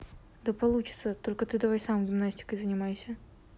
да получится только ты давай сам гимнастикой занимайся